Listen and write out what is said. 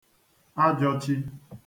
ajọchī